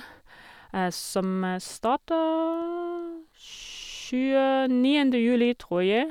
Som starter tjueniende juli, tror jeg.